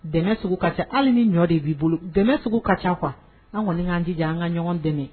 Dɛmɛ sugu ka ca hali ni ɲɔ de b'i bolo dɛmɛ sugu ka ca kuwa an kɔni k'an dija an ka ɲɔgɔn dɛmɛ